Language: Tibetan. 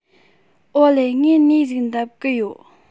ཨོ ལེ ངས ནས ཟིག འདེབས གི ཡོད